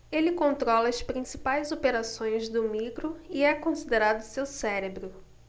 ele controla as principais operações do micro e é considerado seu cérebro